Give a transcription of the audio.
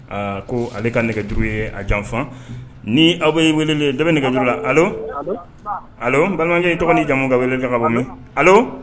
Aa ko ale ka nɛgɛ duuruuru ye a janfa ni aw' wele da ne nɛgɛjuru la bamanankɛ tɔgɔ ni jamu ka wele ka bɔ mɛn